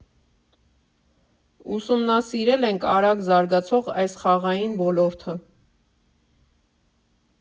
Ուսումնասիրել ենք արագ զարգացող այս խաղային ոլորտը։